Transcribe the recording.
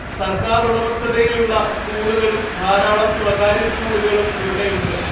സർക്കാറുടമസ്ഥതയിലുള്ള സ്കൂളുകളും ധാരാളം സ്വകാര്യ സ്കൂളുകളും ഇവിടെയുണ്ട്